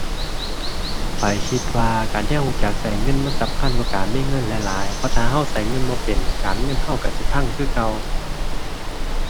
ข้อยคิดว่าการที่เราเราจักเราเงินมันสำคัญกว่าการมีเงินหลายหลาย เพราะถ้าเราเราเงินบ่เป็น การเงินเราเราสิพังคือเก่า